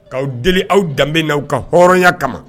K'aw deli aw danbe na' aw ka hɔrɔnya kama